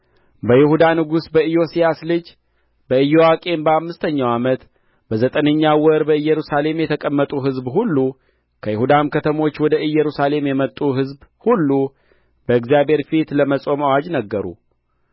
በይሁዳ ንጉሥ በኢዮስያስ ልጅ በኢዮአቄም በአምስተኛው ዓመት በዘጠነኛው ወር በኢየሩሳሌም የተቀመጡ ሕዝብ ሁሉ ከይሁዳም ከተሞች ወደ ኢየሩሳሌም የመጡ ሕዝብ ሁሉ በእግዚአብሔር ፊት ለመጾም አዋጅ ነገሩ